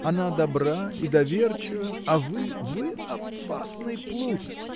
она добра и доверчива, а вы, вы опасный плут.